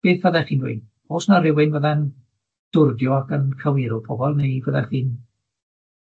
Beth byddech chi'n dweud, o's 'na rywun fydda'n dwrdio ac yn cywiro pobol, neu fyddach chi'n